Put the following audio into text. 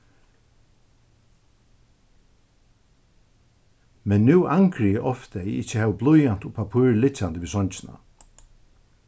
men nú angri eg ofta at eg ikki havi blýant og pappír liggjandi við songina